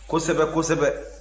kosɛbɛ kosɛbɛ